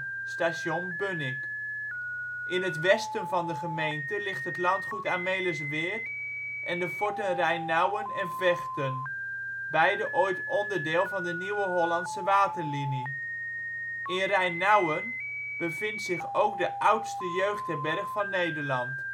Station Bunnik. In het westen van de gemeente liggen het landgoed Amelisweerd en de forten Rijnauwen en Vechten, beide ooit onderdeel van de Nieuwe Hollandse Waterlinie. In Rhijnauwen bevindt zich ook de oudste jeugdherberg van Nederland